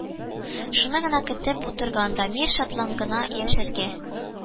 Шуны гына көтеп утырган Дамир, шатлыгын яшерә